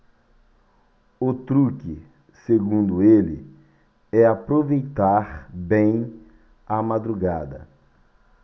o truque segundo ele é aproveitar bem a madrugada